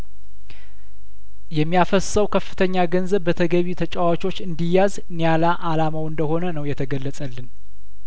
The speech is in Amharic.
የሚያፈሰው ከፍተኛ ገንዘብ በተገቢ ተጫዋቾች እንዲያዝ ኒያላ አላማው እንደሆነ ነው የተገለጸልን